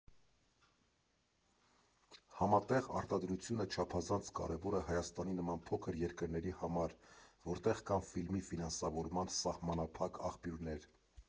Համատեղ արտադրությունը չափազանց կարևոր է Հայաստանի նման փոքր երկրների համար, որտեղ կան ֆիլմի ֆինանսավորման սահմանափակ աղբյուրներ։